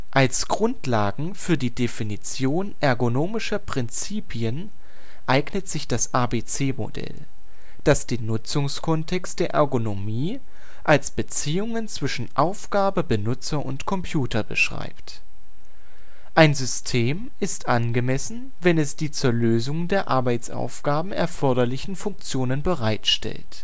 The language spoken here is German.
Als Grundlage für die Definition ergonomischer Prinzipien eignet sich das ABC-Modell, das den Nutzungskontext der Ergonomie als Beziehungen zwischen Aufgabe, Benutzer und Computer beschreibt. Ein System ist angemessen, wenn es die zur Lösung der Arbeitsaufgabe erforderlichen Funktionen bereitstellt